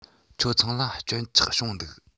ཁྱོད ཚང ལ སྐྱོན ཆག བྱུང འདུག